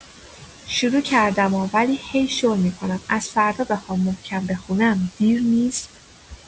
شروع کردما ولی هی شل می‌کنم از فردا بخوام محکم بخونم، دیر نیست؟